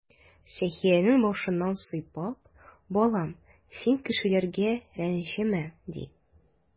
Сәхиянең башыннан сыйпап: "Балам, син кешеләргә рәнҗемә",— ди.